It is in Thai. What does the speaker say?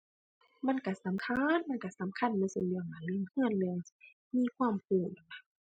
มันก็สำคัญ มันก็สำคัญเบิดซุเรื่องหั้น เรื่องก็ เรื่องมีความก็หั้นล่ะ